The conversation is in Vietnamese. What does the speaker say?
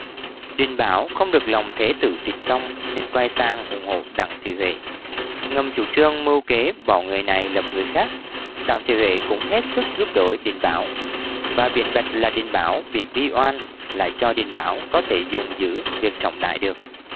đình bảo không được lòng thế tử trịnh tông nên quay sang ủng hộ đặng thị huệ ngầm chủ trương mưu kế bỏ người này lập người khác đặng thị cũng hết sức giúp đỡ đình bảo và biện bạch là đình bảo bị vi oan lại cho đình bảo có thể dùng giữ việc trọng đại được